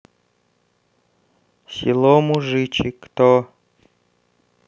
село мужичи кто